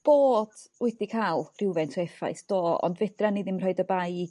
bod wedi ca'l rhywfaint o effaith do ond fedran ni ddim rhoid y bai i